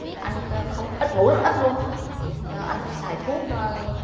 anh ơ không ứt ngủ ứt luôn á anh phải xài thuốc ơ